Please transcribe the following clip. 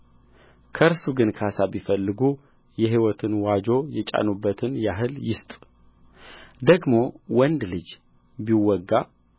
ከእርሱ ግን ካሳ ቢፈልጉ የሕይወቱን ዎጆ የጫኑበትን ያህል ይስጥ ደግሞ ወንድን ልጅ ቢወጋ